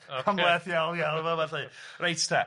Cymleth, cymleth, iawn, iawn, aballu. Reit 'te.